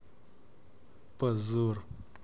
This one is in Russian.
позор